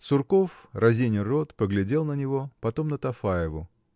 Сурков, разиня рот, поглядел на него, потом на Тафаеву.